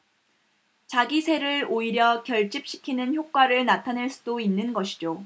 자기 세를 오히려 결집시키는 효과를 나타낼 수도 있는 것이죠